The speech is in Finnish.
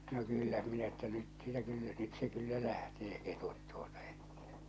no kyllä minä että nyt sitä kyllä nyt se kyllä lähtee ketut tuota että